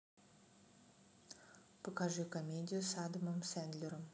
покажи комедию с адамом сэндлером